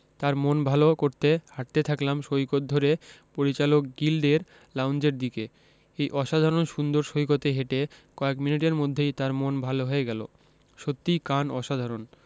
তার মন ভালো করতে হাঁটতে থাকলাম সৈকত ধরে পরিচালক গিল্ডের লাউঞ্জের দিকে এই অসাধারণ সুন্দর সৈকতে হেঁটে কয়েক মিনিটের মধ্যেই তার মন ভালো হয়ে গেল সত্যিই কান অসাধারণ